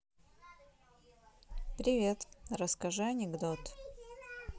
привет расскажи анекдот